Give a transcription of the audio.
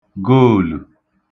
goòlù